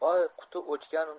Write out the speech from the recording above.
oy quti o'chgan